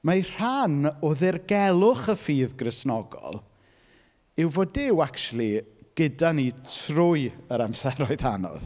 mai rhan o ddirgelwch y ffydd Gristnogol, yw fod Duw acshyli gyda ni trwy yr amseroedd anodd.